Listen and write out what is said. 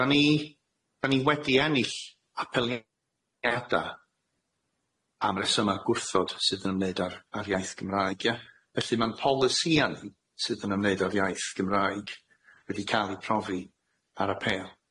Da ni da ni wedi ennill apeliada am resyma gwrthod sydd yn ymwneud a'r a'r iaith Gymraeg ia, felly ma'n polisia ni sydd yn ymwneud a'r iaith Gymraeg wedi ca'l ei profi ar apêl.